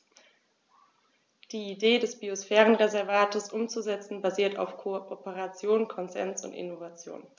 Die Idee des Biosphärenreservates umzusetzen, basiert auf Kooperation, Konsens und Innovation.